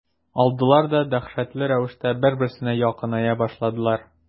Алдылар да дәһшәтле рәвештә бер-берсенә якыная башладылар.